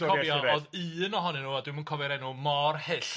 So os dwi'n cofio, o'dd un ohonyn n'w, a dwi'm yn cofio'r enw, mor hyll.